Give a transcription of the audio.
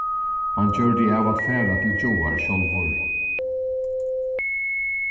hann gjørdi av at fara til gjáar sjálvur